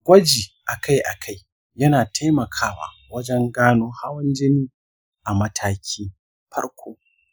gwaji akai akai yana taimakawa wajen gano hawan jini a mataki farko.